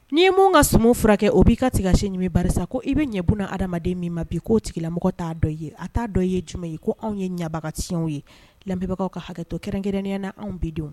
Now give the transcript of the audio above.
Ni'i mun ka so furakɛ kɛ o b'i ka tiga se ɲumanmi basa ko i bɛ ɲɛbuna hadamaden min ma bi' o tigilamɔgɔ t'a dɔn ye a t'a dɔn ye jumɛn ye ko anw ye ɲɛbagatiw ye labagawkaw ka hakɛtɔ kɛrɛnkɛrɛnnenya na anw bi denw